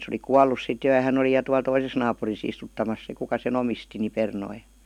se oli kuollut sitten jo ja hän oli ja tuolla toisessa naapurissa istuttamassa se kuka sen omisti niin perunoita